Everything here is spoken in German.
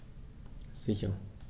Sicher.